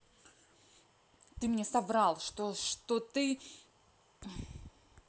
ты мне соврал что что ты